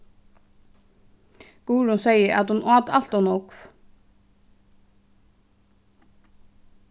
guðrun segði at hon át alt ov nógv